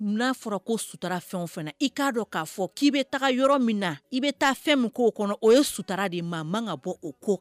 N n'a fɔra ko suta fɛn o fana i k'a dɔn k'a fɔ k'i bɛ taga yɔrɔ min na i bɛ taa fɛn min k' o kɔnɔ o ye suta de ma man ka bɔ o kɔ